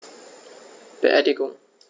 Beerdigung